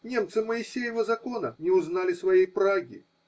немцы Моисеева закона не узнали своей Праги.